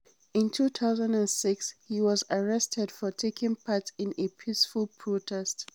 In 2006, he was arrested for taking part in a peaceful protest.